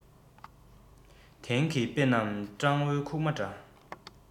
དེང གི དཔེ རྣམས སྤྲང བོའི ཁུག མ འདྲ